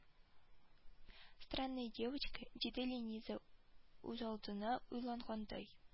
Странная девочка диде лениза үзалдына уйлангандай